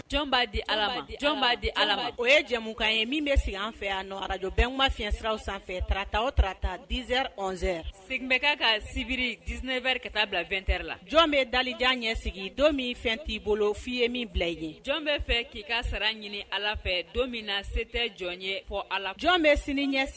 'a di jɔn di ala o ye jɛmukan ye min bɛ sigi an fɛ a arajjɔ bɛnma fi fiɲɛsira siraraw sanfɛ tarata o tataz segin bɛ ka ka sibiri ds wɛrɛ ka taa bila2te la jɔn bɛ dalijan ɲɛ sigi don min fɛn t'i bolo f'i ye min bila i ye jɔn bɛ fɛ k'i ka sara ɲini ala fɛ don min na se tɛ jɔn ye fɔ a jɔn bɛ sini ɲɛsin